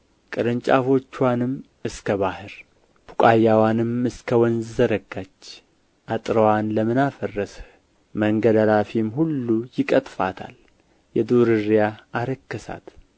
ቅርንጫፎችዋንም እስከ ባሕር ቡቃያዋንም እስከ ወንዙ ዘረጋች አጥርዋን ለምን አፈረስህ መንገድ አላፊም ሁሉ ይቀጥፋታል የዱር እርያ አረከሳት